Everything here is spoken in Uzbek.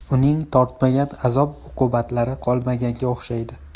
uning tortmagan azob uqubatlari qolmaganga o'xshardi